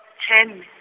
tjhe mme.